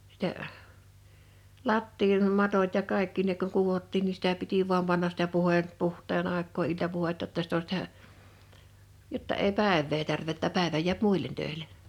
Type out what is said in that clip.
sitä lattiamatot ja kaikki ne kun kudottiin niin sitä piti vain panna sitä - puhteen aikaa iltapuhdetta jotta sitten on sitä jotta ei päivää tärvää että päivä jää muille töille